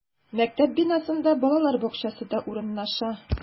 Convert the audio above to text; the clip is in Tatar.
Мәктәп бинасында балалар бакчасы да урнаша.